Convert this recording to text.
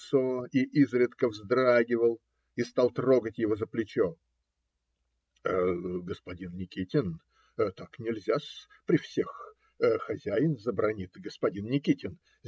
лицо и изредка вздрагивал, и стал трогать его за плечо - Господин Никитин! Так нельзя-с. При всех. Хозяин забранит. Господин Никитин!